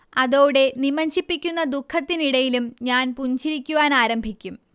അതോടെ നിമജ്ജിപ്പിക്കുന്ന ദുഃഖത്തിനിടയിലും ഞാൻ പുഞ്ചിരിക്കുവാനാരംഭിക്കും